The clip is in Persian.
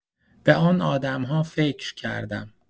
به آن آدم‌ها فکر کردم.